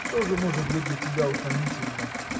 – тоже может быть для тебя утомительно